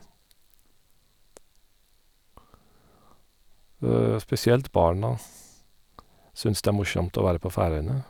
Spesielt barna syns det er morsomt å være på Færøyene.